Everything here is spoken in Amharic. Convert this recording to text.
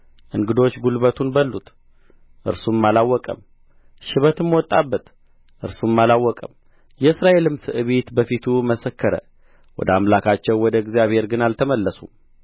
እንግዶች ጕልበቱን በሉት እርሱም አላወቀም ሽበትም ወጣበት እርሱም አላወቀም የእስራኤልም ትዕቢቱ በፊቱ መሰከረ ወደ አምላካቸው ወደ እግዚአብሔር ግን አልተመለሱም